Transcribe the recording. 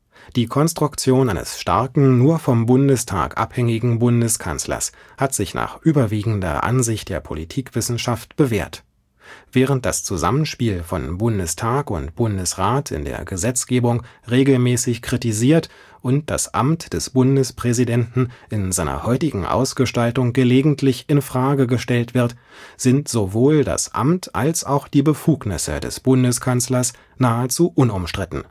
Die Konstruktion eines starken, nur vom Bundestag abhängigen Bundeskanzlers hat sich nach überwiegender Ansicht der Politikwissenschaft bewährt. Während das Zusammenspiel von Bundestag und Bundesrat in der Gesetzgebung regelmäßig kritisiert und das Amt des Bundespräsidenten in seiner heutigen Ausgestaltung gelegentlich infrage gestellt wird, sind sowohl das Amt als auch die Befugnisse des Bundeskanzlers nahezu unumstritten